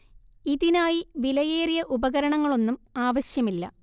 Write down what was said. ഇതിനായി വിലയേറിയ ഉപകരണങ്ങളൊന്നും ആവശ്യമില്ല